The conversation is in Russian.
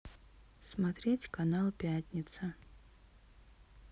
смотреть канал пятница